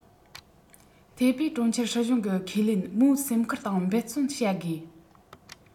ཐའེ པེ གྲོང ཁྱེར སྲིད གཞུང གིས ཁས ལེན མོའི སེམས ཁུར དང འབད བརྩོན བྱ དགོས